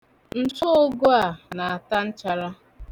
Ntụogwe a na-ata nchara.